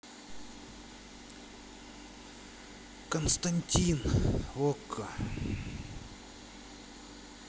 константин окко